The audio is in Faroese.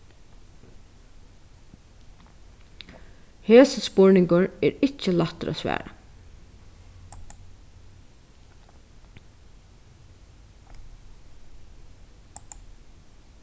hesin spurningur er ikki lættur at svara